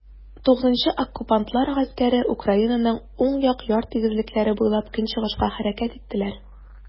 XIX Оккупантлар гаскәре Украинаның уң як яр тигезлекләре буйлап көнчыгышка хәрәкәт иттеләр.